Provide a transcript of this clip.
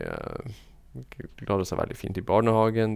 Klarer seg veldig fint i barnehagen.